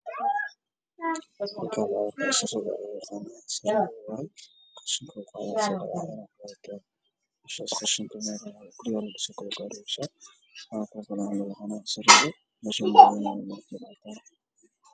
Meeshan waxaa yaalo gaariga qashinka waxaana ku jiro cid iyo dhagaxaan